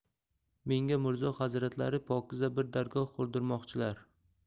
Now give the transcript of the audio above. menga mirzo hazratlari pokiza bir dargoh qurdirmoqchilar